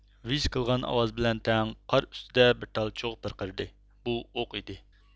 ۋىژ قىلغان ئاۋاز بىلەن تەڭ قار ئۈستىدە بىر تال چوغ پىرقىرىدى بۇ ئوق ئىدى